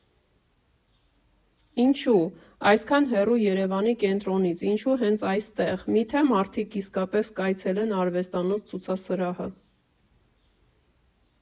Ինչո՞ւ այսքան հեռու Երևանի կենտրոնից, ինչո՞ւ հենց այստեղ, մի՞թե մարդիկ իսկապես կայցելեն արվեստանոց֊ցուցասրահը։